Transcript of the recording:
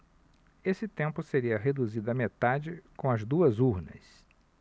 esse tempo seria reduzido à metade com as duas urnas